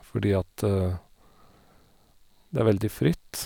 Fordi at det er veldig fritt.